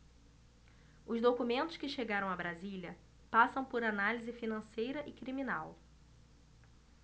os documentos que chegaram a brasília passam por análise financeira e criminal